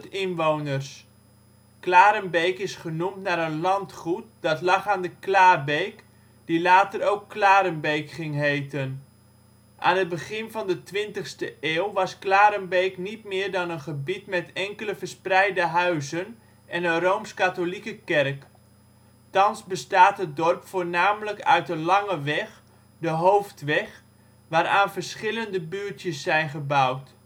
inwoners. Klarenbeek is genoemd naar een landgoed dat lag aan de Klaarbeek, die later ook Klarenbeek ging heten. Aan het begin van de 20e eeuw was Klarenbeek niet meer dan een gebied met enkele verspreide huizen en een rooms-katholieke kerk. Thans bestaat het dorp voornamelijk uit een lange weg (de hoofdweg) waaraan verschillende buurtjes zijn gebouwd